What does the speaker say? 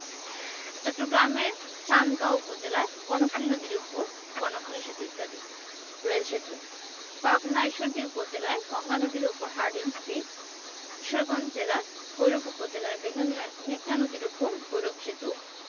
চট্টগ্রামের চান্দগাঁও উপজেলায় কর্ণফুলি নদীর উপর কর্ণফুলি সেতু ইত্যাদি রেল সেতুঃ পাবনার ঈশ্বরদী উপজেলায় গঙ্গা নদীর উপর হার্ডিঞ্জ ব্রিজ কিশোরগঞ্জ জেলার ভৈরব উপজেলায় মেঘনা নদীর উপর ভৈরব সেতু